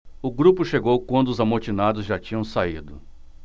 o grupo chegou quando os amotinados já tinham saído